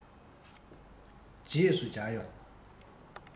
རྗེས སུ མཇལ ཡོང